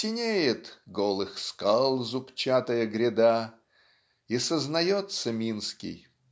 синеет "голых скал зубчатая гряда" и сознается Минский